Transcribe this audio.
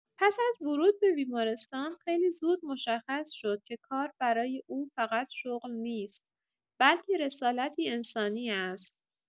پس از ورود به بیمارستان، خیلی زود مشخص شد که کار برای او فقط شغل نیست، بلکه رسالتی انسانی است.